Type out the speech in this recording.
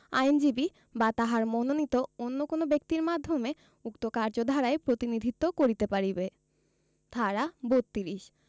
আইনজীবী বা তাহার মনোনীত অন্য কোন ব্যক্তির মাধ্যমে উক্ত কার্যধারায় প্রতিনিধিত্ব করিতে পারিবে ধারা ৩২